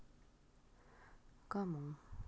кому